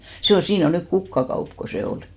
se on siinä on nyt kukkakauppa kun se oli